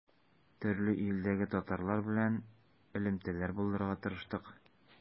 Төрле илдәге татарлар белән элемтәләр булдырырга тырыштык.